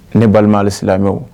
Ne balima hali silamɛmɛ